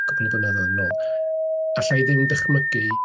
Cwpwl o flynyddoedd yn ôl. Alla i ddim dychmygu...